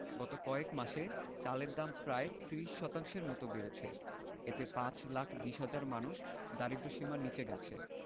গত কয়েক মাসে চালের দাম প্রায় ৩০ শতাংশের মতো বেড়েছে এতে ৫ লাখ ২০ হাজার মানুষ দারিদ্র্যসীমার নিচে গেছে